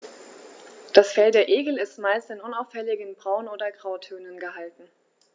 Das Fell der Igel ist meist in unauffälligen Braun- oder Grautönen gehalten.